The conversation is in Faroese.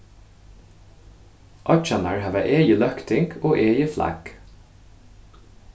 oyggjarnar hava egið løgting og egið flagg